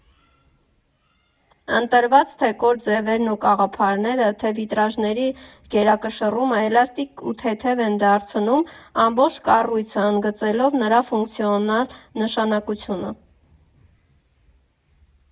Ընտրված թե՛ կոր ձևերն ու կաղապարները, թե՛ վիտրաժների գերակշռումը էլաստիկ ու թեթև են դարձնում ամբողջ կառույցը՝ ընդգծելով նրա ֆունկցիոնալ նշանակութունը։